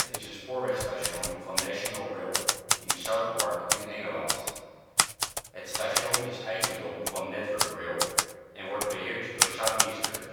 is een spoorwegstation van National Rail in Southwark in Engeland. Het station is eigendom van Network Rail en wordt beheerd door Southeastern